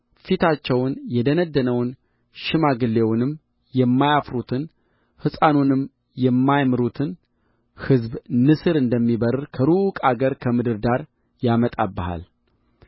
ፊታቸው የደነደነውን ሽማግሌውንም የማያፍሩትን ሕፃኑንም የማይምሩትን ሕዝብ ንስር እንደሚበርር ከሩቅ አገር ከምድር ዳር ያመጣብሃል